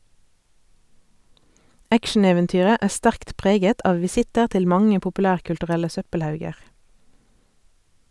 Actioneventyret er sterkt preget av visitter til mange populærkulturelle søppelhauger.